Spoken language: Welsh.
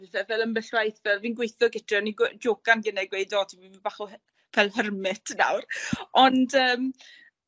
pethe ffel ambell waith fel fi'n gweitho o gytre on'n i gwe- jocan gyne gweud o ti myn' yn bach o he- fel hermit nawr ond yym.